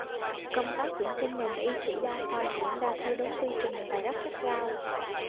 công tác tuyển sinh ngành y sĩ đa khoa diễn ra theo đúng quy trình và rất gắt gao